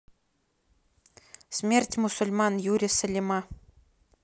смерть мусульман юри салима